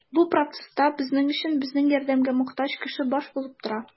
Бу процесста безнең өчен безнең ярдәмгә мохтаҗ кеше баш булып тора.